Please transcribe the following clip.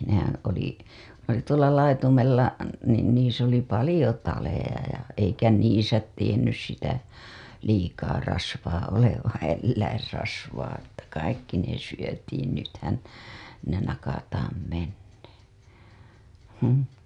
nehän oli ne oli tuolla laitumella niin niissä oli paljon taleja ja eikä niissä tiennyt sitä liikaa rasvaa olevan eläinrasvaa että kaikki ne syötiin nythän ne nakataan menemään mm